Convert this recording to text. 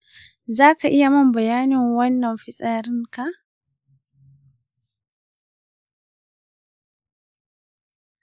ka lura da wani ruwa ko datti wanda baka saba gani ba yana fitowa daga idonka?